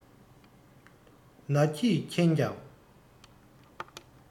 ན གྱིས མཁྱེན ཀྱང